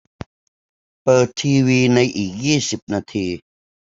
เปิดทีวีในอีกยี่สิบนาที